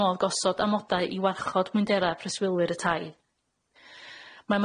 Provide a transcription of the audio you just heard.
modd gosod amodau i warchod mwyndera preswylwyr y tai. Ma'